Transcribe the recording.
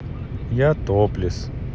я топлес